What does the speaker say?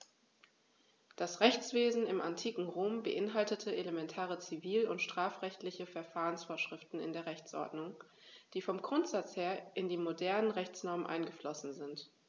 Das Rechtswesen im antiken Rom beinhaltete elementare zivil- und strafrechtliche Verfahrensvorschriften in der Rechtsordnung, die vom Grundsatz her in die modernen Rechtsnormen eingeflossen sind.